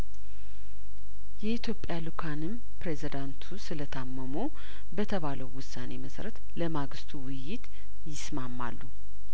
የኢትዮጵያ ልኡካንም ፕሬዝዳንቱ ስለታመሙ በተባለው ውሳኔ መሰረት ለማግስቱ ውይይት ይስማማሉ